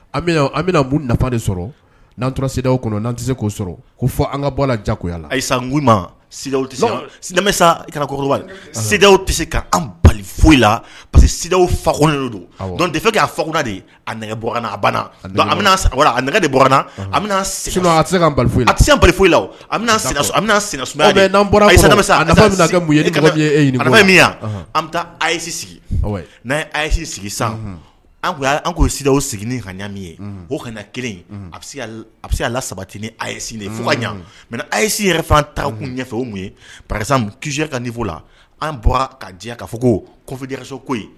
An bɛna nafafa de sɔrɔ n'an toraw kɔnɔ tɛ se k'o sɔrɔ ko fɔ an ka bɔ la jagoyala ayisama saw tɛ se ka bali foyi la parce quew fa don defe k' a fada de a nɛgɛ a a nɛgɛ de b bɔ bɛ foyi a tɛ se an bali foyi la s'an bɔra e min an bɛ taa ayisi sigi n'a ayise sigi san an an sigi ka ye o kana na kelen a bɛ se a la sabati ni a ɲɛ mɛ ayise yɛrɛfan takun ɲɛfɛ o mun ye ki ka ninfo la an bɔra ka diya' fɔ kofejɛso koyi